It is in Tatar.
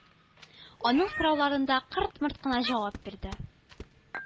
Аның сорауларына да кырт-мырт кына җавап бирде.